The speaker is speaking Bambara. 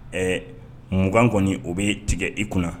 Ɛɛ mugan kɔni o bɛ tigɛ i kunna